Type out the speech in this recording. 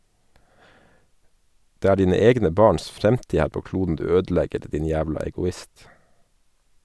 Det er dine egne barns fremtid her på kloden du ødelegger, din jævla egoist.